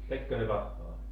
tekikö ne pahaa